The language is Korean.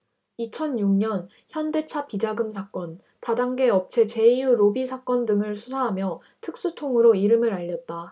이천 육 년 현대차 비자금 사건 다단계 업체 제이유 로비 사건 등을 수사하며 특수통으로 이름을 알렸다